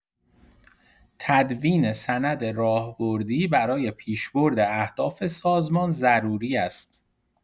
تدوین سند راهبردی برای پیشبرد اهداف سازمان ضروری است.